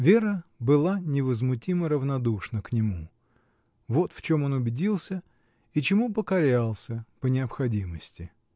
Вера была невозмутимо равнодушна к нему: вот в чем он убедился и чему покорялся по необходимости.